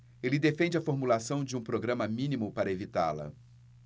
ele defende a formulação de um programa mínimo para evitá-la